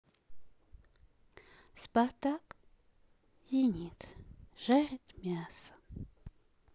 спартак зенит жарит мясо